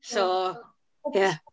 So, ie.